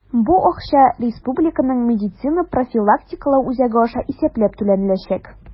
Бу акча Республиканың медицина профилактикалау үзәге аша исәпләп түләнеләчәк.